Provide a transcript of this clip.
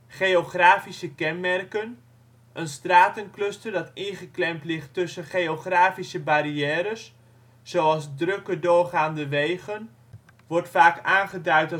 Geografische kenmerken: een stratencluster dat ingeklemd ligt tussen geografische barrières zoals drukke doorgaande wegen wordt vaak aangeduid